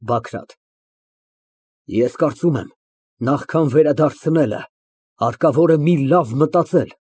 ԲԱԳՐԱՏ ֊ Ես կարծում եմ, նախքան վերադարձնելը, հարկավոր է մի լավ մտածել։